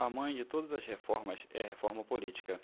a mãe de todas as reformas é a reforma política